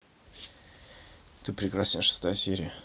ты прекрасен шестая серия